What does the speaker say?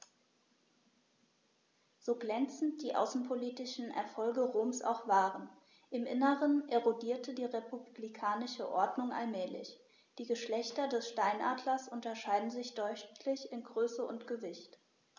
So glänzend die außenpolitischen Erfolge Roms auch waren: Im Inneren erodierte die republikanische Ordnung allmählich. Die Geschlechter des Steinadlers unterscheiden sich deutlich in Größe und Gewicht.